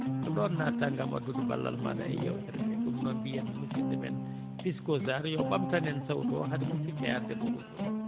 ko ɗon naatataa ngam addude ballal maaɗa e yeewtere ndee ɗum noon mbiyen musidɗo men Pisco Sarr yo ɓamtan en sawto o haade men huccu e arde goɗɗum